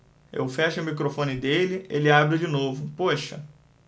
eu fecho o microfone dele ele abre de novo poxa